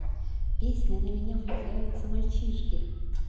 песня на меня влюбляются мальчишки